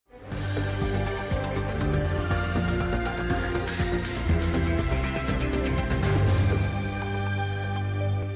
Wa